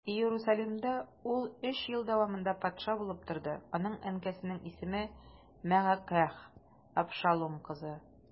Иерусалимдә ул өч ел дәвамында патша булып торды, аның әнкәсенең исеме Мәгакәһ, Абшалум кызы.